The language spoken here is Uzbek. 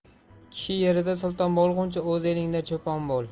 kishi yerida sulton bo'lguncha o'z elingda cho'pon bo'l